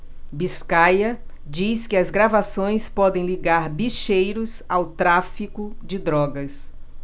biscaia diz que gravações podem ligar bicheiros ao tráfico de drogas